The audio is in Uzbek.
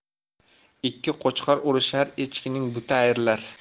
ikki qo'chqor urishar echkining buti ayrilar